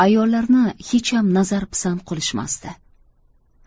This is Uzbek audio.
ayollarni hecham nazar pisand qilishmasdi